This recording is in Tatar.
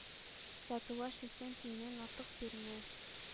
Сатулаш, сиксән тиеннән артык бирмә.